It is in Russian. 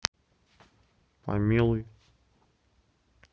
помилуй